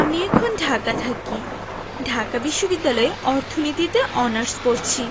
আমি এখন ঢাকা থাকি ঢাকা বিশ্ববিদ্যালয়ে অর্থনীতিতে অনার্স পরছি